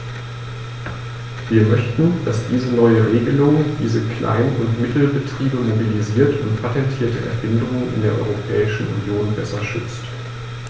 Wir möchten, dass diese neue Regelung diese Klein- und Mittelbetriebe mobilisiert und patentierte Erfindungen in der Europäischen Union besser schützt.